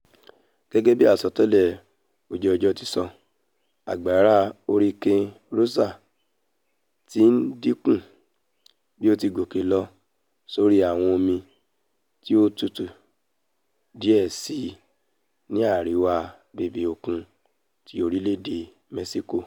Gẹ́gẹ́bí àsọtẹ́lẹ̀ ojú-ọjọ́ ti sọ, agbára Hurricane Rosa ti ńdínkù bí ó ti gòkè lọ sórí àwọn omi tí ó tútú díẹ̀ síi ní àríwá bèbè òkun ti orílẹ̀-èdè Mẹ́síkò.